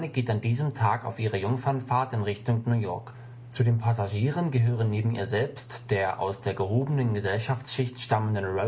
geht an diesem Tag auf ihre Jungfernfahrt in Richtung New York. Zu den Passagieren gehören neben ihr selbst, der aus der gehobenen Gesellschaftsschicht stammenden